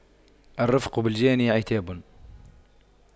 الرفق بالجاني عتاب